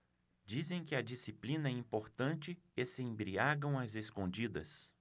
dizem que a disciplina é importante e se embriagam às escondidas